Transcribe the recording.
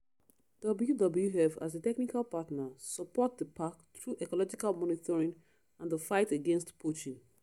WWF as the technical partner supports the park through ecological monitoring and the fight against poaching.